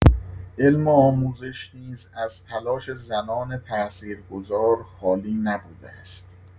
علم و آموزش نیز از تلاش زنان تاثیرگذار خالی نبوده است.